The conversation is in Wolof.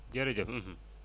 jërëjëf